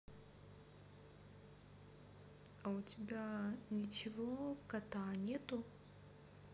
а у тебя нечего кота нету